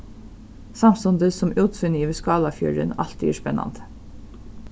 samstundis sum útsýnið yvir skálafjørðin altíð er spennandi